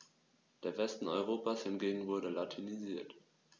Der Westen Europas hingegen wurde latinisiert.